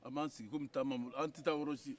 an b'an sigi kɔmi temps b'an bolo an tɛ taa yɔrɔ si